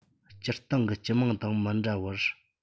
སྤྱིར བཏང གི སྤྱི དམངས དང མི འདྲ བར